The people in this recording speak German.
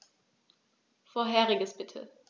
Vorheriges bitte.